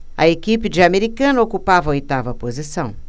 a equipe de americana ocupa a oitava posição